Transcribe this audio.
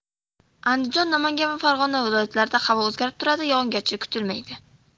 andijon namangan va farg'ona viloyatlarida havo o'zgarib turadi yog'ingarchilik kutilmaydi